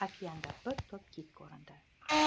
okeanda bir to'p kit ko'rindi